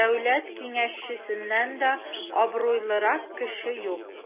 Дәүләт Киңәшчесеннән дә абруйлырак кеше юк.